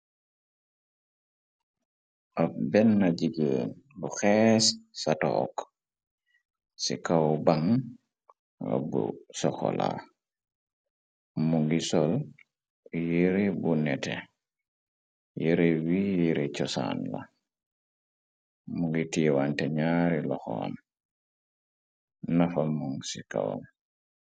ab benna jigeen bu xees sa took ci kaw ban abbu sokola mungi sol yëre bu nete yere wi yere cosaan la mungi tiiwante ñaari loxo am nafa mun ci kawa